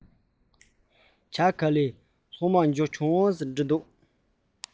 ཇ ག ལི ཚང མ འབྱོར བྱུང ཟེར བྲིས འདུག